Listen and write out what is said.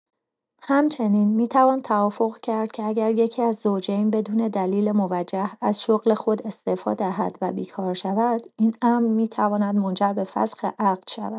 همچنین، می‌توان توافق کرد که اگر یکی‌از زوجین بدون دلیل موجه از شغل خود استعفا دهد و بیکار شود، این امر می‌تواند منجر به فسخ عقد شود.